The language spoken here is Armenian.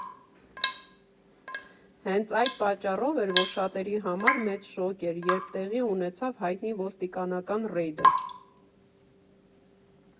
Հենց այդ պատճառով էր, որ շատերի համար մեծ շոկ էր, երբ տեղի ունեցավ հայտնի ոստիկանական ռեյդը։